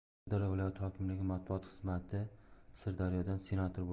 sirdaryo viloyati hokimligi matbuot xizmatisirdaryodan senator bo'lganlar